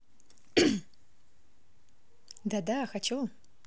да да хочу